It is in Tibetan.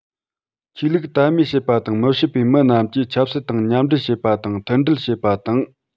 ཆོས ལུགས དད མོས བྱེད པ དང མི བྱེད པའི མི རྣམས ཀྱིས ཆབ སྲིད སྟེང མཉམ འབྲེལ དང མཐུན སྒྲིལ བྱེད པ དང